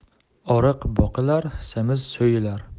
oriq boqilar semiz so'yilar